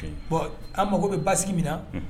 Bɔn an mako bɛ basi min na